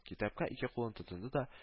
Китапка ике куллын тотынды да